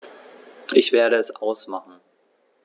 Ich werde es ausmachen